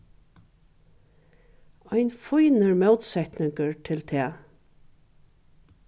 ein fínur mótsetningur til tað